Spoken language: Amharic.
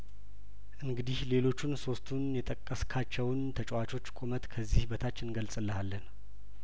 እንግዲህ ሌሎቹን ሶስቱን የጠቀስ ካቸውን ተጫዋቾች ቁመት ከዚህ በታች እንገልጽ ልሀለን